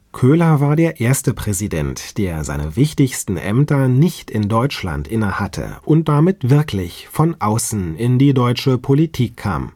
Köhler war der erste Präsident, der seine wichtigsten Ämter nicht in Deutschland innehatte und damit wirklich von Außen in die deutsche Politik kam